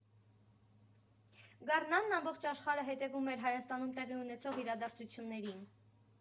Գարնանն ամբողջ աշխարհը հետևում էր Հայաստանում տեղի ունեցող իրադարձություններին։